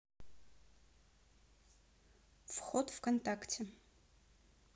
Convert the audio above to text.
вход вконтакте